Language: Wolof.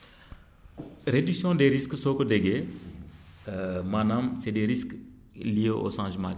réduction des riques soo ko déggee maanaam c' :est des risques liés au changement